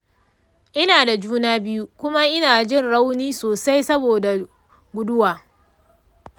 ina da juna biyu kuma ina jin rauni sosai saboda gudawa.